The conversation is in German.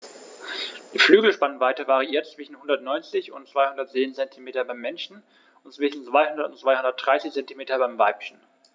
Die Flügelspannweite variiert zwischen 190 und 210 cm beim Männchen und zwischen 200 und 230 cm beim Weibchen.